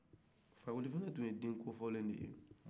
fakoli fana tun ye den kofɔlen de ye